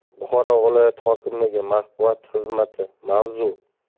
buxoro viloyati hokimligi matbuot xizmatimavzu